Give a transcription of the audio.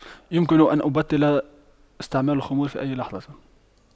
يمكن أن أبطل استعمال الخمور في أي لحظة